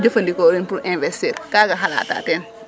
jafe ndiko ran pour investir kaga xalata teen